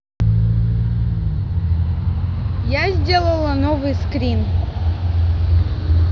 я сделала новый скрин